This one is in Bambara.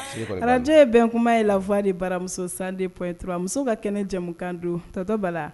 Ararakajo ye bɛn kuma ye lafa ni baramuso san de pye turamuso ka kɛnɛ jamu kan don tatɔ bala la